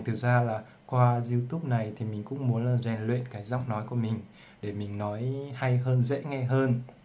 qua youtube này mình cũng muốn rèn luyện giọng nói của mình để mình nói hay hơn dễ nghe hơn